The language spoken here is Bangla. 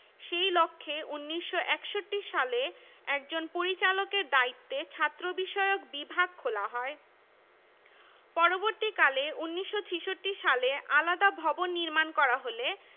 ১৮ হাজার বই নিয়ে বিশ্ববিদ্যালয় গ্রন্থাগার স্থাপন করা হয়েছিল এম.ফিল ও পিএইচ.ডি কোর্সের গবেষণা বিষয়ক পান্ডুলিপির সংগ্রহ গ্রন্থাগারটি প্রসারের একটি উল্লেখযোগ্য দিক